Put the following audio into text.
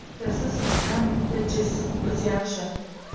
yuzta siz bizdan bitta jiz biz yaxshi